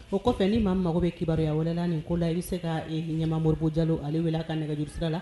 O kɔfɛ ni ma mago bɛ kibabruyaya wɛrɛla nin ko la i bɛ se ka ɲɛma moribugu jalo ale wele ka nɛgɛurusira la